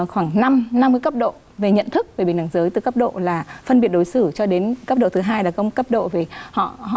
khoảng năm năm cấp độ về nhận thức về bình đẳng giới từ cấp độ là phân biệt đối xử cho đến cấp độ thứ hai là cung cấp độ về họ họ